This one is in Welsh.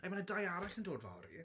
Mae 'na dau arall yn dod fory.